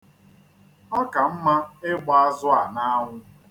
Ọ ka mma ịgba azụ a n'anwụ.